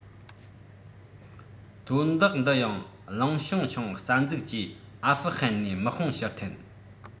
དོན དག འདི ཡང གླེང བྱང ཆིངས རྩ འཛུགས ཀྱིས ཨ ཧྥུ ཧན ནས དམག དཔུང ཕྱིར འཐེན